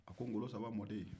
a ko n'golo saba mɔden